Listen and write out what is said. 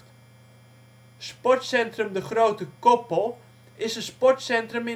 Sportcentrum De Grote Koppel is een sportcentrum